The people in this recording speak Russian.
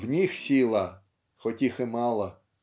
в них сила, хоть их и мало".